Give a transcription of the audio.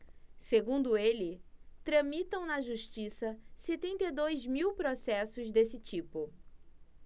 segundo ele tramitam na justiça setenta e dois mil processos desse tipo